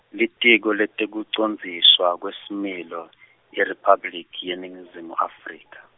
Litiko leTekucondziswa kweSimilo, IRiphabliki yeNingizimu Afrika.